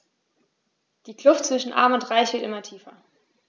Die Kluft zwischen Arm und Reich wird immer tiefer.